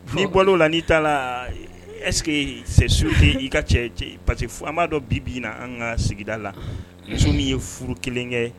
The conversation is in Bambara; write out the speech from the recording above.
Ni bɔ lo la ni taara est ce que c'est sur que i ka cɛ cɛ parce que an ba dɔn bi bi in na an ka sigida la muso min ye furu kelen kɛ.